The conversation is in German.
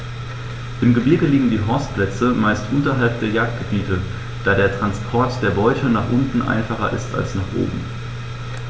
Im Gebirge liegen die Horstplätze meist unterhalb der Jagdgebiete, da der Transport der Beute nach unten einfacher ist als nach oben.